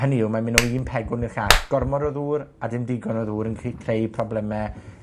hynny yw, mae'n myn' o un pegwn i'r llall, gormod o ddŵr a dim digon o ddŵr yn 'llu creu probleme,